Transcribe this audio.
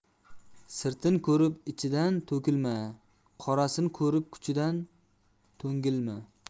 sirtin ko'rib ichidan to'ngilma qorasin ko'rib kuchidan to'ngilma